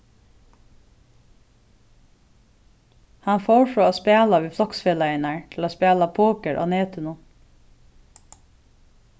hann fór frá at spæla við floksfelagarnar til at spæla poker á netinum